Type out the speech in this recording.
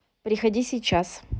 приходи сейчас